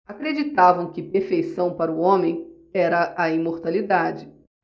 acreditavam que perfeição para o homem era a imortalidade